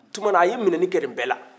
o tuma na a ye minɛni kɛ nin bɛɛ la